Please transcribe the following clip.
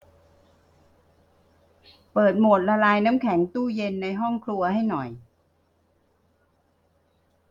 เปิดโหมดละลายน้ำแข็งตู้เย็นในห้องครัวให้หน่อย